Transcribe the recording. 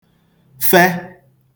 fẹ